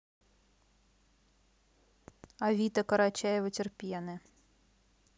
авита карачаево терпены